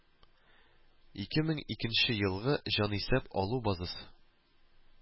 Ике мең икенче елгы җанисәп алу базасы